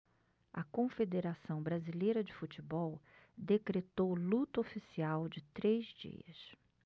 a confederação brasileira de futebol decretou luto oficial de três dias